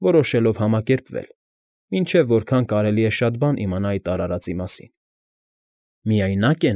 Որոշելով համակերպվել, մինչև որքան կարելի է շատ բան իմանա այդ արարածի մասին՝ միայնա՞կ։